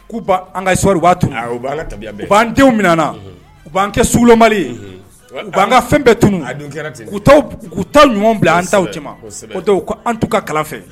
An kari' an denw min u b'an kɛloma' anan ka fɛn bɛɛ tun' taa ɲuman bila an da antu ka kala fɛ